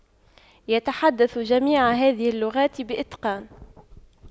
يتحدث جميع هذه اللغات بإتقان